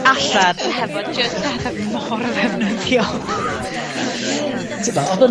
allan hefo jyst pethe mor ddefnyddiol. T'mod odd o'n